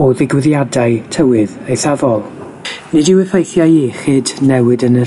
o ddigwyddiadau tywydd eithafol. Nid yw effeithiau iechyd newid yn yr